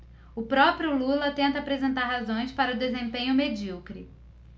o próprio lula tenta apresentar razões para o desempenho medíocre